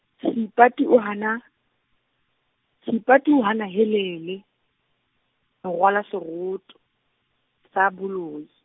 Seipati o hana, Seipati o hana helele, ho rwala seroto, sa boloyi.